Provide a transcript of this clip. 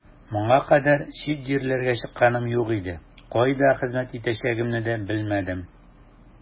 Моңа кадәр чит җирләргә чыкканым юк иде, кайда хезмәт итәчәгемне дә белмәдем.